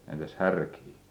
entäs härkiä